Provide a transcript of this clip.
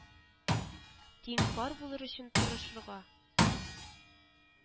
Тиң пар булыр өчен тырышырга